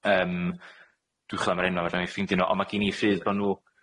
Yym, dwi'n chwilio am yr enwa', fedra i 'im ffindio nw. On' ma' gin i ffydd bo' nw...